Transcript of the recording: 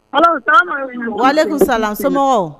Alo salamaleku . Walekum salam . Womɔgɔw